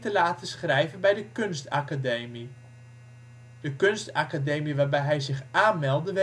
laten schrijven bij de kunstacademie. De kunstacademie waarbij hij zich aanmeldde